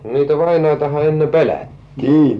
niitä vainajiahan ennen pelättiin